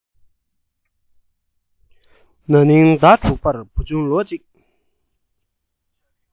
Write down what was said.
ན ནིང ཟླ དྲུག པར བུ ཆུང ལོ གཅིག